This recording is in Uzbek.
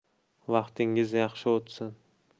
vaqtingiz yaxshi o'tsin